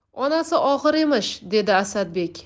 onasi og'ir emish dedi asadbek